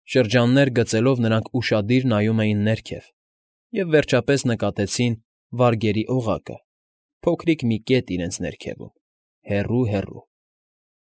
Շրջաններ գծելով՝ նրանք ուշադիր նայում էին ներքև և, վերջապես, նկատեցին վարգերի օղակը, փոքրիկ մի կետ իրենց ներքևում, հեռո՜ւ֊հեռու։